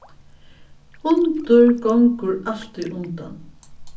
hundur gongur altíð undan